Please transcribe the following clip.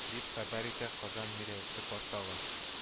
Дип хәбәр итә казан мэриясе порталы